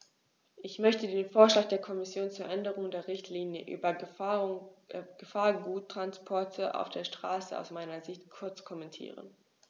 Ich möchte den Vorschlag der Kommission zur Änderung der Richtlinie über Gefahrguttransporte auf der Straße aus meiner Sicht kurz kommentieren.